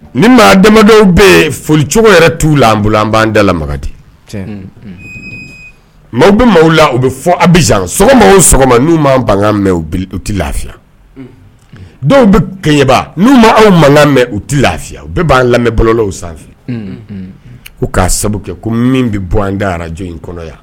Ni maa damadenw bɛ yen foli cogo yɛrɛ t'u la an bolo an b'an dalala de maaw bɛ maaw la u bɛ fɔ a sɔgɔma o sɔgɔma n'u ma mɛn u tɛ lafiya dɔw bɛ kɛɲɛba n'u ma aw mankan mɛn u tɛ lafiya u bɛ b'an lamɛn balolaw sanfɛ k'u k'a sababu kɛ ko min bɛ bɔ an da araj kɔnɔya